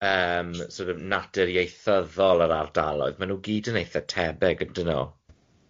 Yym sort of naturiaethyddol yr ardaloedd, maen nhw gyd yn eitha tebyg ydyn nhw?